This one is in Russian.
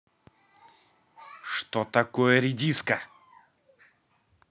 что такое редиска